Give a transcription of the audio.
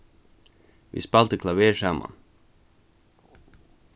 vit spældu klaver saman